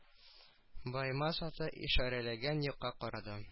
Баемас аты ишарәләгән якка карады